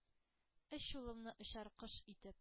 — өч улымны, очар кош итеп,